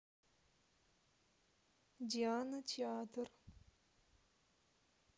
диана театр